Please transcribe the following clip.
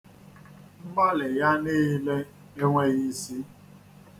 Mgbalị ya niile enweghị isi.